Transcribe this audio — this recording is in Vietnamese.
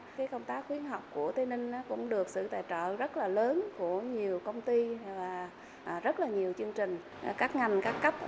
phía công tác khuyến học của tây ninh á cũng được sự tài trợ rất là lớn của nhiều công ty và à rất là nhiều chương trình các ngành các cấp